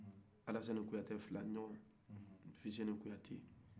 alasani kuyate filani ɲɔgɔn lasina kuyate